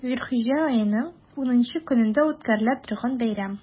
Зөлхиҗҗә аеның унынчы көнендә үткәрелә торган бәйрәм.